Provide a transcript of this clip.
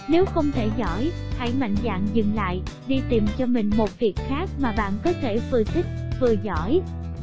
nếu không thể giỏi hãy mạnh dạn dừng lại đi tìm cho mình một việc khác mà bạn có thể vừa thích vừa giỏi